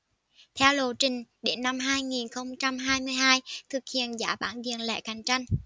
theo lộ trình đến năm hai nghìn không trăm hai mươi hai thực hiện giá bán điện lẻ cạnh tranh